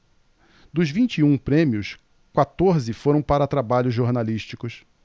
dos vinte e um prêmios quatorze foram para trabalhos jornalísticos